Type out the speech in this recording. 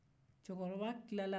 cɛkɔrɔba tila la